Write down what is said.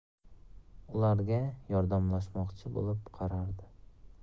ularga yordamlashmoqchi bo'lib qarardi